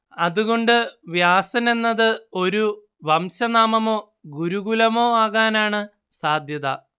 അതുകൊണ്ട് വ്യാസൻ എന്നത് ഒരു വംശനാമമോ ഗുരുകുലമോ ആകാനാണ് സാധ്യത